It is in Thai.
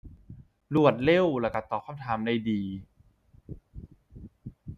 รวดเร็ว แล้วก็ตอบคำถามได้ดี